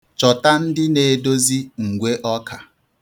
Chọta ndị na-edozi ngwe ọka.